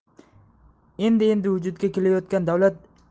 endi endi vujudga kelayotgan davlat